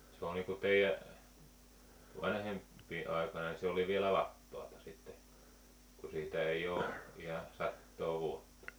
se on niin kuin teidän vanhempien aikana niin se oli vielä vapaata sitten kun siitä ei ole ihan sataa vuotta